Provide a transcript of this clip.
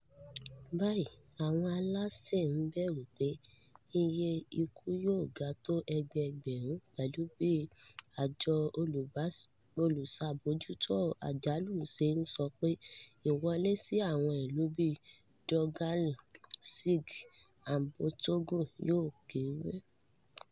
Báyìí, àwọn aláṣẹ ń bẹ̀rù pé iye ikú yóò ga tó ẹgbẹgbẹ̀rún pẹ̀lú bí àjọ olùṣàbójútó àjálù ṣe ń sọ pé ìwọlé sì àwọn ìlú bíi Donggala, Sigi àti Boutong yóò kére.